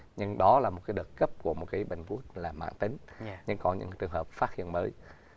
nhưng đó là một cái đợt cấp của một cái bệnh gút là mãn tính nhưng có những trường hợp phát hiện mới